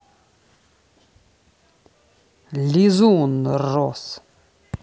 лизун рос